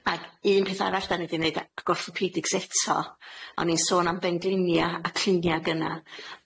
Ag un peth arall 'dan ni 'di neud, ag orthopedics eto, o'n i'n sôn am benglinia a clinia gynna',